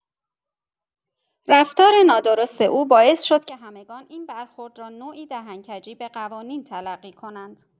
رفتار نادرست او باعث شد که همگان این برخورد را نوعی دهن‌کجی به قوانین تلقی کنند.